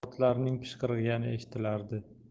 otlarning pishqirgani eshitilardi